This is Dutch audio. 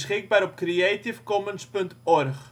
17 ' NB, 5° 46 ' OL